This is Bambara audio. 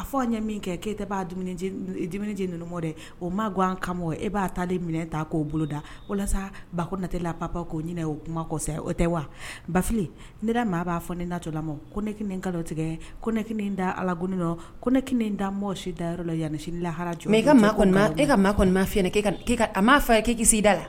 A fɔ an ɲɛ min kɛ k'yita b'a j ninnu dɛ o ma gan an kama e b'a ta de minɛ ta k'o boloda walasa bako natɛlap'o ɲinin o kuma kɔ kɔfɛ o tɛ wa bafi ne da maa b'a fɔ ne na tɔla ma ko nekini ka tigɛ ko nek da ala ko ko nek da mɔgɔ si dayɔrɔ la yananisi laharaj e ka ma kɔni e ka ma kɔnima fi k a m'a fɛ k'ida la